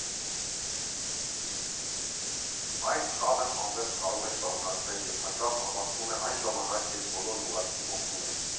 Այս խաղն անվերջ կարող է շարունակվել և հաճախ ավարտվում է այն ժամանակ, երբ բոլորն ուղղակի հոգնում են։